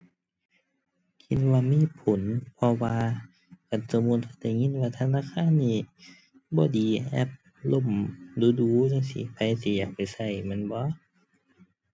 คิดว่ามีผล เพราะว่าคันสมมุติได้ยินว่าธนาคารนี้บ่ดี แอปล่มดู๋ดู๋จั่งซี้ ไผสิอยากไปใช้แม่นบ่